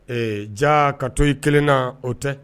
Ee ja ka to i kelen na o tɛ